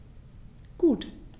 Gut.